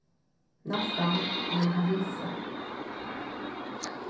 næstan ein risi